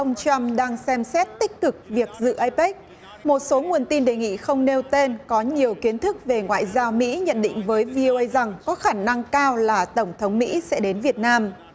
ông trăm đang xem xét tích cực việc dự ai pếc một số nguồn tin đề nghị không nêu tên có nhiều kiến thức về ngoại giao mỹ nhận định với vi âu ây rằng có khả năng cao là tổng thống mỹ sẽ đến việt nam